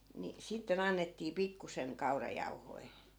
niin sitten annettiin pikkuisen kaurajauhoja